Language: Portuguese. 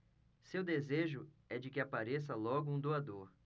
seu desejo é de que apareça logo um doador